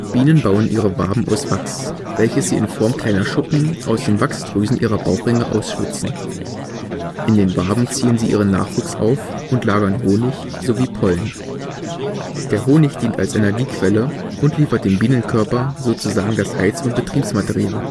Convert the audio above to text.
Bienen bauen ihre Waben aus Wachs, welches sie in Form kleiner Schuppen aus den Wachsdrüsen ihrer Bauchringe ausschwitzen. In den Waben ziehen sie ihren Nachwuchs auf und lagern Honig sowie Pollen. Der Honig dient als Energiequelle und liefert dem Bienenkörper sozusagen das Heiz - und Betriebsmaterial